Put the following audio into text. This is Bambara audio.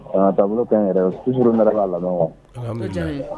A taabolo ka ɲi yɛrɛ, toujours